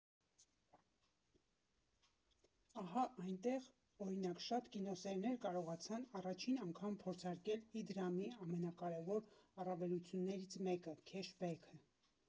Ահա այնտեղ, օրինակ, շատ կինոսերներ կարողացան առաջին անգամ փորձարկել Իդրամի ամենակարևոր առավելություններից մեկը՝ քեշբեքը։